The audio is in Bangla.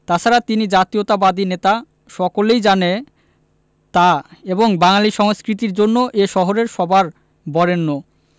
তাছাড়া তিনি জাতীয়তাবাদী নেতা সকলেই জানে তা এবং বাঙালী সংস্কৃতির জন্য এ শহরে সবার বরেণ্য